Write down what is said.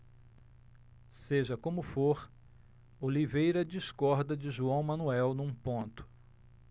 seja como for oliveira discorda de joão manuel num ponto